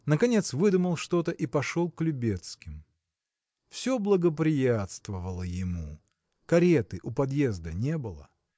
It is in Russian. наконец выдумал что-то и пошел к Любецким. Все благоприятствовало ему. Кареты у подъезда не было.